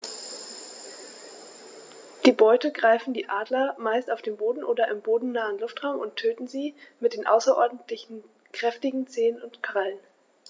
Die Beute greifen die Adler meist auf dem Boden oder im bodennahen Luftraum und töten sie mit den außerordentlich kräftigen Zehen und Krallen.